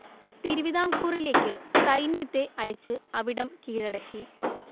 തിരുവിതാംകൂറിലേക്ക് സൈന്യത്തെ അയച്ച് അവിടം കീഴടക്കി